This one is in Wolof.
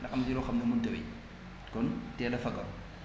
ndax am na ci loo xam ni mënut a wéy kon teel a fagaru